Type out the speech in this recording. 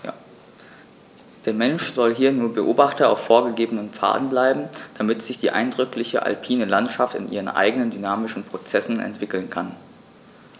Der Mensch soll hier nur Beobachter auf vorgegebenen Pfaden bleiben, damit sich die eindrückliche alpine Landschaft in ihren eigenen dynamischen Prozessen entwickeln kann.